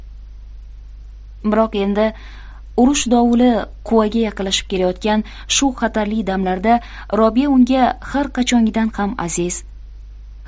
biroq endi urush dovuli quvaga yaqinlashib kelayotgan shu xatarli damlarda robiya unga har qachongidan ham aziz